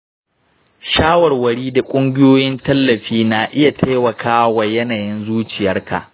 shawarwari da ƙungiyoyin tallafi na iya taimaka wa yanayin zuciyarka.